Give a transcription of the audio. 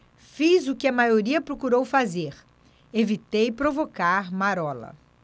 fiz o que a maioria procurou fazer evitei provocar marola